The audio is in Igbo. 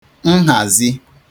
nhazi